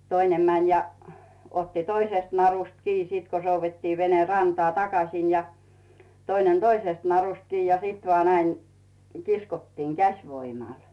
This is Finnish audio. toinen meni ja otti toisesta narusta kiinni sitten kun soudettiin vene rantaan takaisin ja toinen toisesta narusta kiinni ja sitten vain näin kiskottiin käsivoimalla